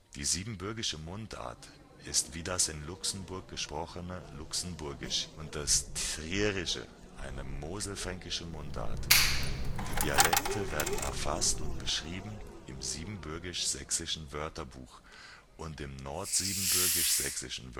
Die siebenbürgische Mundart ist wie das in Luxemburg gesprochene " Luxemburgisch " (Letzebuergesch) und das Trierische eine Moselfränkische Mundart. Die Dialekte werden erfasst und beschrieben im Siebenbürgisch-sächsischen Wörterbuch und im Nordsiebenbürgisch-sächsischen